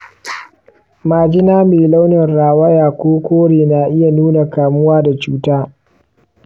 majina mai launin rawaya ko kore na iya nuna kamuwa da cuta.